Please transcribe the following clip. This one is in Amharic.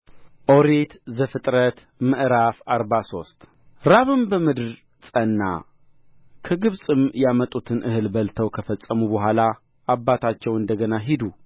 ኦሪት ዘፍጥረት ምዕራፍ አርባ ሶስት ራብም በምድር ጸና ከግብፅም ያመጡትን እህል በልተው ከፈጸሙ በኋላ አባታቸው እንደ ገና ሂዱ